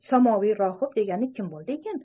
samoviy rohib degani kim ekan